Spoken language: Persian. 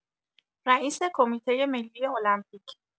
رئیس کمیته ملی المپیک